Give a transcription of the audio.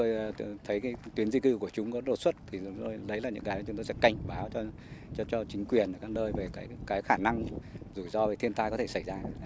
tôi từng thấy tuyến di cư của chúng có đột xuất thì đấy là những cái chúng tôi sẽ cảnh báo cho chính quyền ở các nơi về cái cái khả năng rủi ro về thiên tai có thể xảy ra